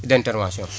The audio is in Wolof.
d' intervention